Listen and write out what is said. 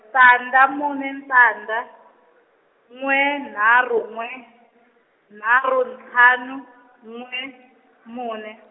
tandza mune tandza , n'we nharhu n'we, nharhu ntlhanu, n'we, mune.